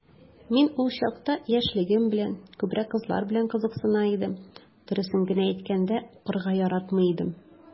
Мин ул чакта, яшьлегем белән, күбрәк кызлар белән кызыксына идем, дөресен генә әйткәндә, укырга яратмый идем...